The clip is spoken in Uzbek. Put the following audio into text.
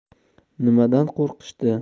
nimadan qo'rqishdi